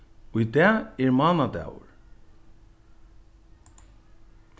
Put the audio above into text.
í dag er mánadagur